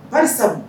Baasi